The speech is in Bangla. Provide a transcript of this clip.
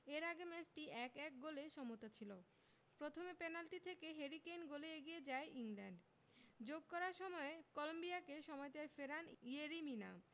এর আগে ম্যাচটি ১ ১ গোলে সমতা ছিল প্রথমে পেনাল্টি থেকে হ্যারি কেইনে গোলে এগিয়ে যায় ইংল্যান্ড যোগ করা সময়ে কলম্বিয়াকে সমতায় ফেরান ইয়েরি মিনা